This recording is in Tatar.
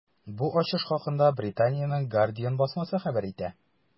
Бу ачыш хакында Британиянең “Гардиан” басмасы хәбәр итә.